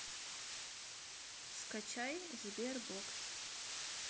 скачай сбер бокс